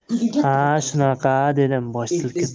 ha shunaqa dedim bosh silkib